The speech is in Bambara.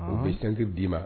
U bɛ sintigi d'i ma